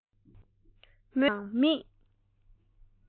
མོས སྣ རྫིག རྫིག དང མིག